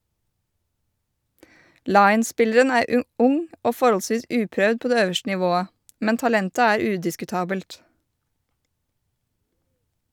Lyon-spilleren er ung og forholdsvis uprøvd på det øverste nivået, men talentet er udiskutabelt.